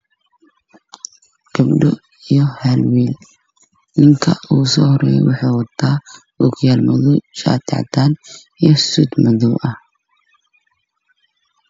Waa gabdho iyo hal wiil, wiilku waxuu wataa ookiyaalo madow ah, shaati cadaan ah iyo suud madow.